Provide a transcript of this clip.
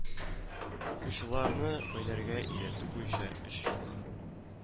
Укучыларны бәйләргә өйрәтү буенча өч елга